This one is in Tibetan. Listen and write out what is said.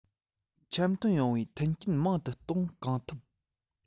འཆམ མཐུན ཡོང བའི མཐུན རྐྱེན མང དུ གཏོང གང ཐུབ